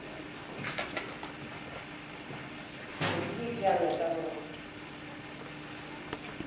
увези пьяную домой